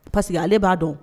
Parce que ale b'a dɔn